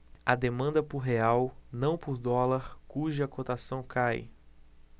há demanda por real não por dólar cuja cotação cai